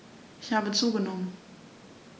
Ich habe zugenommen.